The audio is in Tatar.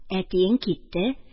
Әтиең китте